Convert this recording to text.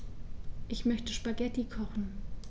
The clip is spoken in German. Ich möchte Spaghetti kochen.